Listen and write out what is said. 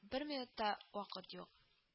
Бер минуттавахыт юк